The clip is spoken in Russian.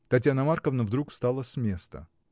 Татьяна Марковна вдруг встала с места.